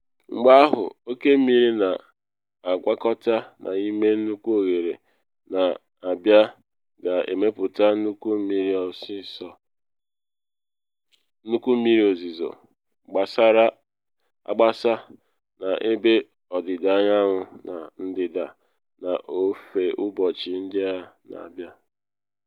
Mgbe ahụ, oke mmiri na agwakọta n’ime nnukwu oghere na abịa ga-emepụta nnukwu mmiri ozizo gbasara agbasa n’ebe Ọdịda anyanwụ na ndịda n’ofe ụbọchị ndị na abịa.